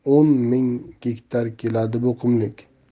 ming gektar keladi bu qumlik